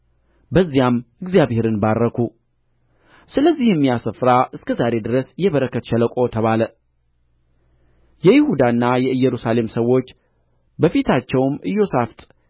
በዚያም እግዚአብሔርን ባረኩ ስለዚህም ያ ስፍራ እስከ ዛሬ ድረስ የበረከት ሸለቆ ተባለ የይሁዳና የኢየሩሳሌም ሰዎች በፊታቸውም ኢዮሣፍጥ